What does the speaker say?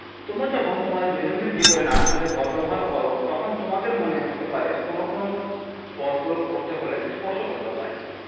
তোমরা যখন তোমাদের দৈনন্দিন জীবনে নানা কাজে বল ব্যবহার করো তখন তোমাদের মনে হতে পারে কোনো কোনো বল প্রয়োগ করতে হলে স্পর্শ করতে হয়